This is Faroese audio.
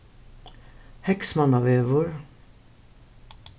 heygsmannavegur